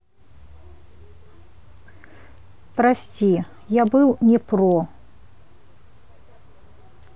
прости я был не про